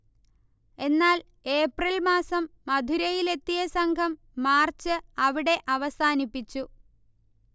എന്നാൽ, ഏപ്രിൽ മാസം മഥുരയിലത്തെിയ സംഘം മാർച്ച് അവിടെ അവസാനിപ്പിച്ചു